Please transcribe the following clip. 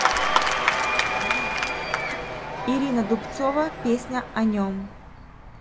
ирина дубцова песня о нем